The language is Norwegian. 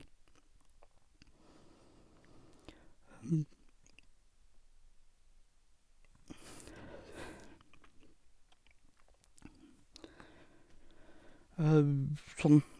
Sånn...